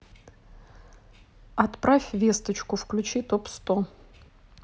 отправь весточку включи топ сто